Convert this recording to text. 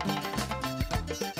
San